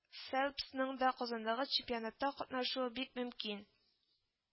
Фелпсның да Казандагы чемпионатта катнашуы бик мөмкин